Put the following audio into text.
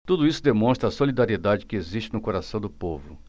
tudo isso demonstra a solidariedade que existe no coração do povo